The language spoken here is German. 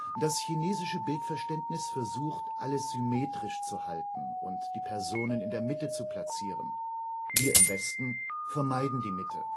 Das chinesische Bildverständnis versucht, alles symmetrisch zu halten und die Personen in der Mitte zu platzieren. Wir im Westen vermeiden die Mitte